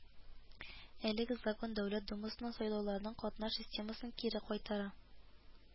Әлеге закон Дәүләт думасына сайлауларның катнаш системасын кире кайтара